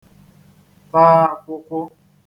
ta akwụkwụ